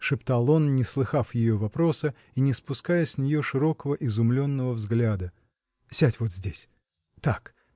— шептал он, не слыхав ее вопроса и не спуская с нее широкого, изумленного взгляда. — Сядь вот здесь, — так!